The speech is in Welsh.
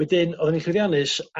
wedyn odda ni'n llwyddiannus